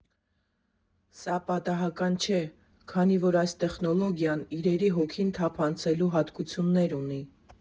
Սա պատահական չէ, քանի որ այս տեխնոլոգիան իրերի հոգին թափանցելու հատկություններ ունի։